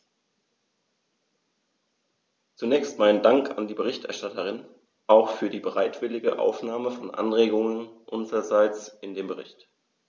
Zunächst meinen Dank an die Berichterstatterin, auch für die bereitwillige Aufnahme von Anregungen unsererseits in den Bericht.